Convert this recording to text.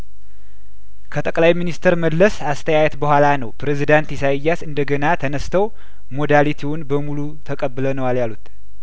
ከጠቅላይ ሚንስተር መለስ አስተያየት በኋላ ነው ፕሬዝዳንት ኢሳያስ እንደገና ተነስተው ሞዳሊቲውን በሙሉ ተቀብለነዋል ያሉት